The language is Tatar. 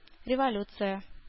Революция